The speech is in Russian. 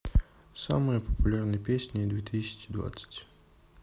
самые популярные песни две тысячи двадцатый